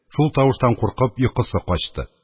Шул тавыштан куркып, йокысы качты.